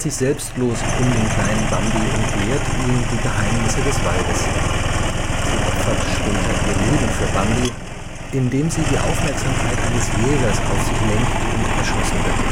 selbstlos um den kleinen Bambi und lehrt ihn die Geheimnisse des Waldes. Sie opfert später ihr Leben für Bambi, indem sie die Aufmerksamkeit eines Jägers auf sich lenkt und erschossen wird